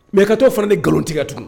Mɛkatɔ fana ni nkalontigika tugun